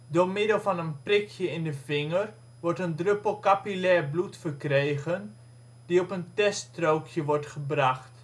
Door middel van een prikje in de vinger wordt een druppel capillair bloed verkregen die op een teststrookje wordt gebracht